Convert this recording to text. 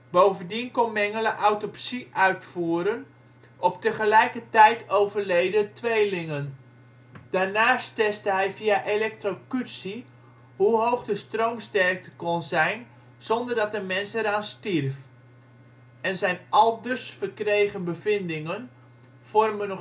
Bovendien kon Mengele autopsie uitvoeren op tegelijkertijd overleden tweelingen. Daarnaast testte hij via elektrocutie hoe hoog de stroomsterkte kon zijn zonder dat een mens eraan stierf (en zijn aldus verkregen bevindingen vormen